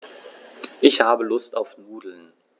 Ich habe Lust auf Nudeln.